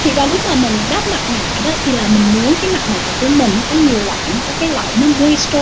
thì vào lúc mà mình đắp mặt nạ đó thì là mình muốn cái mặt nạ của mình nó có nhiều loại có cái loại nó môi troa